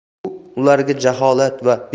u ularga jaholat va